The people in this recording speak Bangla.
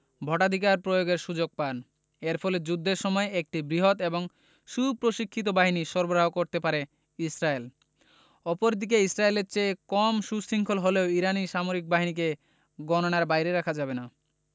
ভোটাধিকার প্রয়োগের সুযোগ পান এর ফলে যুদ্ধের সময় একটি বৃহৎ এবং সুপ্রশিক্ষিত বাহিনী সরবরাহ করতে পারে ইসরায়েল অপরদিকে ইসরায়েলের চেয়ে কম সুশৃঙ্খল হলেও ইরানি সামরিক বাহিনীকে গণনার বাইরে রাখা যাবে না